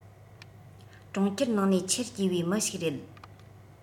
གྲོང ཁྱེར ནང ནས ཆེར སྐྱེས པའི མི ཞིག རེད